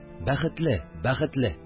Бәхетле, бәхетле